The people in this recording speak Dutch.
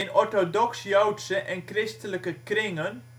orthodox-joodse en - christelijke kringen